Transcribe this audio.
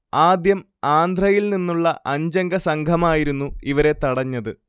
ആദ്യം ആന്ധ്രയിൽ നിന്നുള്ള അഞ്ചംഗ സംഘമായിരുന്നു ഇവരെ തടഞ്ഞത്